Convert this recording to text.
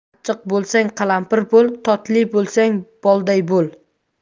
achchiq bo'lsang qalampir bo'l totli bo'lsang bolday bo'l